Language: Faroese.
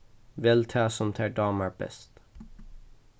vel ta sum tær dámar best